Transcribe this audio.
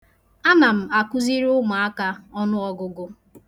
Ana m akụziri ụmụaka ọnụọgụgụ.